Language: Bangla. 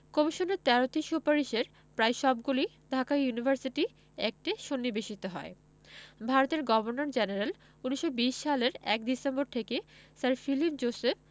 কমিশনের ১৩টি সুপারিশের প্রায় সবগুলিই ঢাকা ইউনিভার্সিটি অ্যাক্টে সন্নিবেশিত হয় ভারতের গভর্নর জেনারেল ১৯২০ সালের ১ ডিসেম্বর থেকে স্যার ফিলিপ জোসেফ